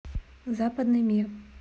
западный мир